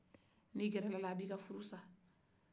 ni gɛrɛla a la a bɛ i ka furu sa